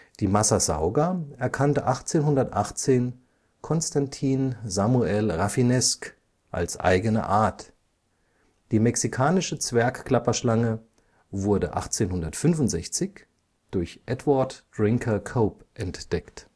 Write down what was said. Die Massassauga erkannte 1818 Constantine Samuel Rafinesque als eigene Art, die Mexikanische Zwergklapperschlange wurde 1865 durch Edward Drinker Cope entdeckt